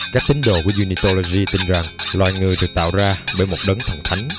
các tín đồ của unitology tin rằng loài người được tạo ra bởi một đấng thần thánh